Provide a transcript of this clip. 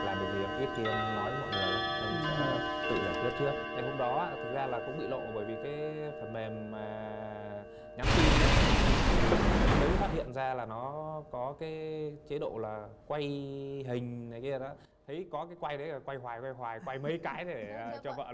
làm việc gì em ít khi em nói với mọi người lắm em sẽ tự giải quyết trước ngày hôm đó á thực ra là cũng bị lộ bởi vì cái phần mềm mà nhắn tin á thì hôm đấy mới phát hiện ra là nó có cái chế độ là quay hình này kia đó thấy có quay đấy là quay hoài quay hoài quay mấy cái để cho vợ luôn